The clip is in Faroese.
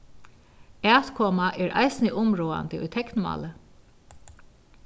atkoma er eisini umráðandi í teknmáli